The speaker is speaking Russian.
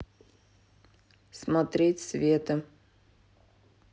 смотреть света